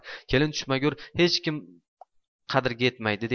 kelin tushmagur hech kim qadriga yetmaydi